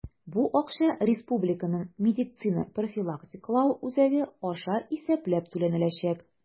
Бу акча Республиканың медицина профилактикалау үзәге аша исәпләп түләнеләчәк.